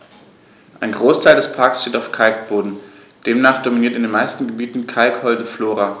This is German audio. Ein Großteil des Parks steht auf Kalkboden, demnach dominiert in den meisten Gebieten kalkholde Flora.